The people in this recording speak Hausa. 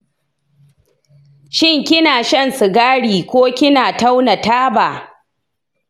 shin kina shan sigari ko kina tauna taba?